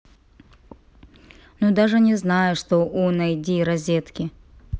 ну даже не знаю что у найди розетки